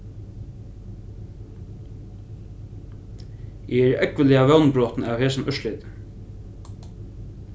eg eri ógvuliga vónbrotin av hesum úrslitinum